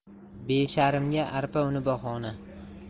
besharmga arpa uni bahona